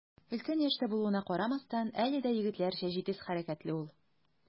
Өлкән яшьтә булуына карамастан, әле дә егетләрчә җитез хәрәкәтле ул.